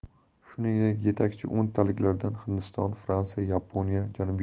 shuningdek yetakchi o'ntalikdan hindiston fransiya yaponiya janubiy